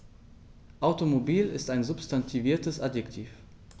Automobil ist ein substantiviertes Adjektiv.